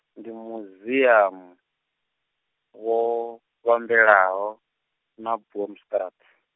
ndi muziamu, wo, vhambelaho na Boomstraat.